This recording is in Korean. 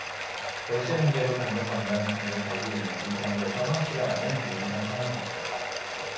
월세 문제로 종종 만나는 건물 관리인이 이 건물에서 황씨를 아는 유일한 사람이었다